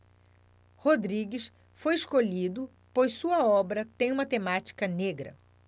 rodrigues foi escolhido pois sua obra tem uma temática negra